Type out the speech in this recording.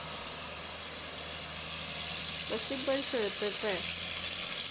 спасибо большое t p